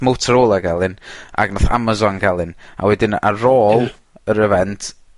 Motorolla ga'l un, ag nath Amazon ga'l un, a wedyn ar ôl... Ie. ...yr event